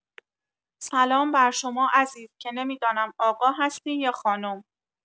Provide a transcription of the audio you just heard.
سلام بر شما عزیز که نمی‌دانم آقا هستی یا خانم.